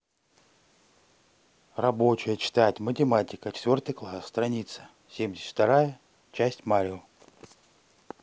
рабочая читать математика четвертый класс страница семьдесят вторая часть mario